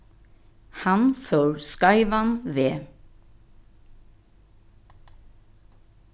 hann fór skeivan veg